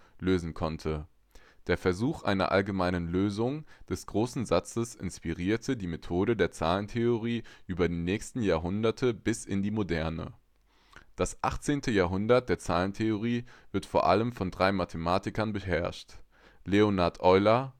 lösen konnte. Der Versuch einer allgemeinen Lösung des großen Satzes inspirierte die Methoden der Zahlentheorie über die nächsten Jahrhunderte bis in die Moderne. Das achtzehnte Jahrhundert der Zahlentheorie wird vor allem von drei Mathematikern beherrscht: Leonhard Euler